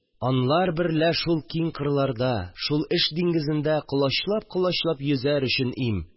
Анлар берлә шул киң кырларда, шул эш диңгезендә колачлап-колачлап йөзәр өчен им